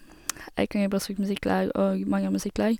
Eikanger-Bjørsvik Musikklag og Manger Musikklag.